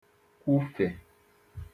kwụ̀fe